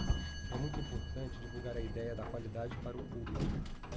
é muito importante divulgar a idéia da qualidade para o público